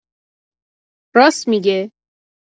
راس می‌گه